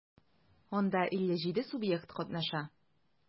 Анда 57 субъект катнаша.